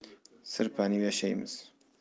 sirpanib yashaymiz